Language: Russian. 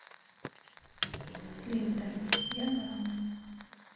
линда я ворона